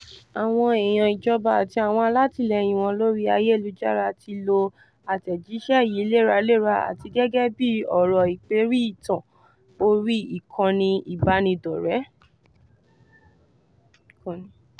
Àwọn èèyàn ìjọba àti àwọn alátìlẹyìn wọn lórí ayélujára ti lo àtẹ̀jíṣẹ́ yìí léraléra, àti gẹ́gẹ́ bíi ọ̀rọ̀ ìpèrí ìtàn orí ìkànnì ìbánidọ́rẹ̀ẹ́.